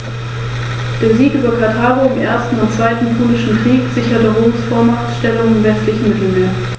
Jeder Stachel ist mit einem Aufrichtemuskel (Musculus arrector pili) ausgestattet.